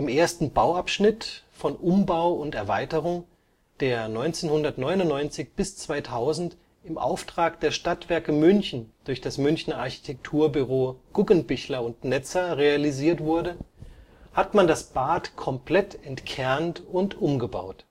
ersten Bauabschnitt von Umbau und Erweiterung, der 1999 bis 2000 im Auftrag der Stadtwerke München durch das Münchner Architekturbüro Guggenbichler + Netzer realisiert wurde, hat man das Bad komplett entkernt und umgebaut